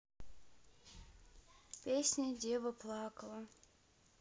песня дева плакала